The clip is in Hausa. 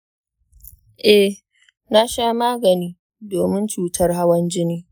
eh, na sha magani domin cutar hawan jini